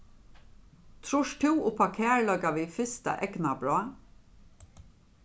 trýrt tú uppá kærleika við fyrsta eygnabrá